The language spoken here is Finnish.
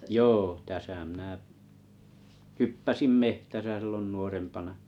joo tässä minä hyppäsin metsässä silloin nuorempana